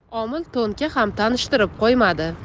omil to'nka ham tanishtirib qo'ymadi